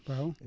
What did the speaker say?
waaw